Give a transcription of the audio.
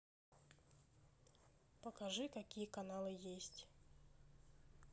покажи какие каналы есть